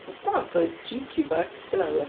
Wnaeth dad ddeud jiji back gynnau do?